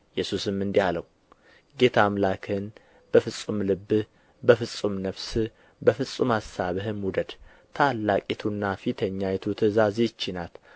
ኢየሱስም እንዲህ አለው ጌታ አምላክህን በፍጹም ልብህ በፍጹም ነፍስህም በፍጹም አሳብህም ውደድ ታላቂቱና ፊተኛይቱ ትእዛዝ ይህች ናት